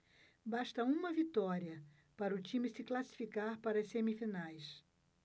basta uma vitória para o time se classificar para as semifinais